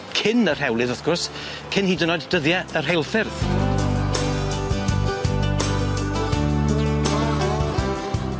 Cyn y rhewlydd, wrth gwrs cyn hyd yn oed dyddie y rheilffyrdd.